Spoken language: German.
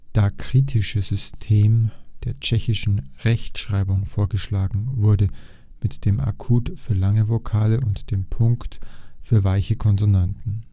diakritische System der tschechischen Rechtschreibung vorgeschlagen wurde (mit dem Akut für lange Vokale und dem Punkt für weiche Konsonanten